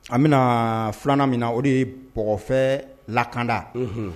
An bɛna na filanan min na o de ye bɔfɛ la kanda